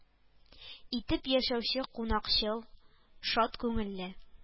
Итеп яшәүче кунакчыл, шат күңелле